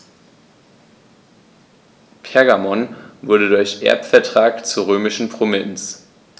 Pergamon wurde durch Erbvertrag zur römischen Provinz.